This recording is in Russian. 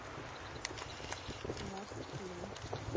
мост фильм